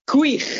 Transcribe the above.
Gwych.